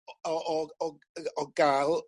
o o o g- o ga'l